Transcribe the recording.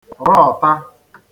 rọ̀ọ̀ta